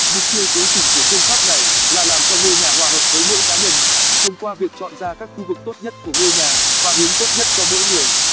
mục tiêu cuối cùng của phương pháp này là làm cho ngôi nhà hòa hợp với mỗi cá nhân thông qua việc chọn ra các khu vực tốt nhất của ngôi nhà và hướng tốt nhất cho mỗi người